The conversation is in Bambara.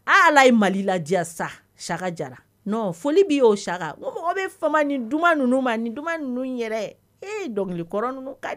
Ee, Allah ye Mali lajaa sa ,Siaka a Diarra, ee non foli b''i ye nko mɔg bɛfama ni fɔli duman ninnu ma ni ninnu yɛrɛ ee dɔnkili kɔrɔ ka